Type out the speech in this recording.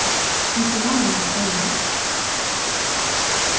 kanst tú læna mær eitt oyra